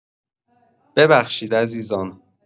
ببخشید عزیزان